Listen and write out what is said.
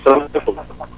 salaamaaleykum